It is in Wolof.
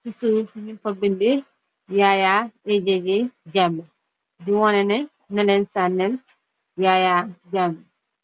ci suuf ñu fa bindi yaayaa éj ji jàmbe di wona ne naleen sànnil yaayaa jàmbi